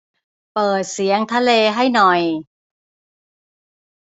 เปิดเสียงทะเลให้หน่อย